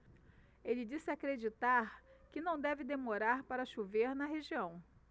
ele disse acreditar que não deve demorar para chover na região